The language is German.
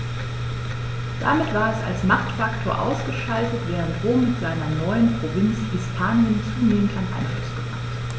Damit war es als Machtfaktor ausgeschaltet, während Rom mit seiner neuen Provinz Hispanien zunehmend an Einfluss gewann.